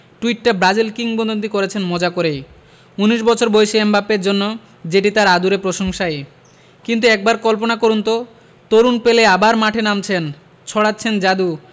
টুইটটা Brazil কিংবদন্তি করেছেন মজা করেই ১৯ বছর বয়সী এমবাপ্পের জন্য যেটি তাঁর আদুরে প্রশংসাই কিন্তু একবার কল্পনা করুন তো তরুণ পেলে আবার মাঠে নামছেন ছড়াচ্ছেন জাদু